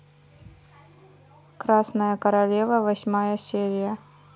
красная королева восьмая серия